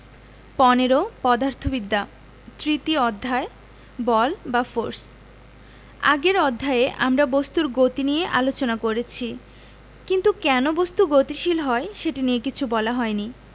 ১৫ পদার্থবিদ্যা তৃতীয় অধ্যায় বল বা ফোরস আগের অধ্যায়ে আমরা বস্তুর গতি নিয়ে আলোচনা করেছি কিন্তু কেন বস্তু গতিশীল হয় সেটি নিয়ে কিছু বলা হয়নি